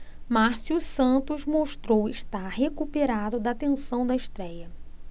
márcio santos mostrou estar recuperado da tensão da estréia